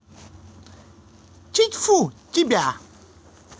тьфу тебя